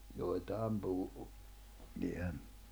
joitakin puhui jäänyt